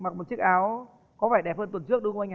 mặc một chiếc áo có vẻ đẹp hơn tuần trước đúng không anh